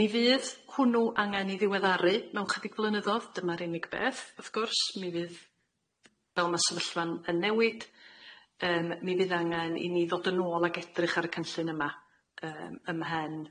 Mi fydd hwnnw angen i ddiweddaru mewn chydig flynyddodd, dyma'r unig beth, wrth gwrs, mi fydd, fel ma' sefyllfa'n yn newid yym mi fydd angen i ni ddod yn ôl ag edrych ar y cynllun yma yym ym mhen.